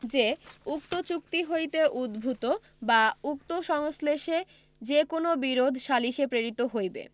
যে উক্ত চুক্তি হইতে উদ্ভুত বা উক্ত সংশ্লেষে যে কোন বিরোধ সালিসে প্রেরিত হইবে